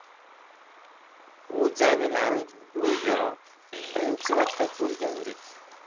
u jamilani go'yo birinchi marta ko'rgandek